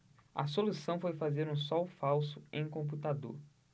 a solução foi fazer um sol falso em computador